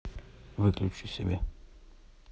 выключи себя